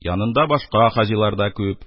Янында башка хаҗилар да күп.